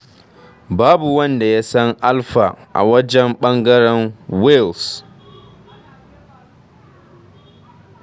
'Babu wanda ya san Alffa a wajen ɓangaren Wales''.